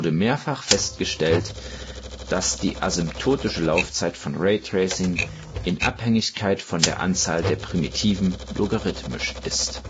Mehrfach festgestellt wurde, dass die asymptotische Laufzeit von Raytracing in Abhängigkeit von der Anzahl der Primitiven logarithmisch ist